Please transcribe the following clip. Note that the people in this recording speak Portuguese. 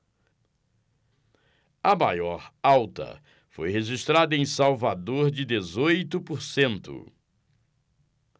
a maior alta foi registrada em salvador de dezoito por cento